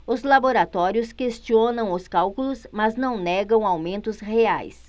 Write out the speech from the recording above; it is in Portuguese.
os laboratórios questionam os cálculos mas não negam aumentos reais